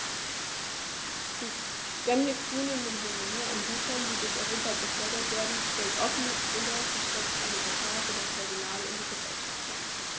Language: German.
Die ständig zunehmende Menge an Gütern, die durch Europa befördert werden, stellt offen oder versteckt eine Gefahr für das Personal und die Gesellschaft dar.